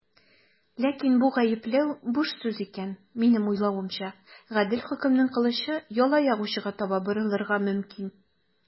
Ләкин бу гаепләү буш сүз икән, минем уйлавымча, гадел хөкемнең кылычы яла ягучыга таба борылырга мөмкин.